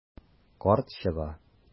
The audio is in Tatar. Карт чыга.